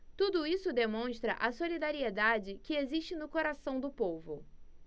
tudo isso demonstra a solidariedade que existe no coração do povo